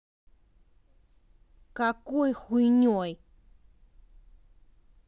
какой хуйней